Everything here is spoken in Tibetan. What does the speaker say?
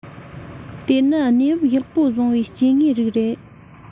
དེ ནི གནས བབ ཡག པོ བཟུང བའི སྐྱེ དངོས རིགས རེད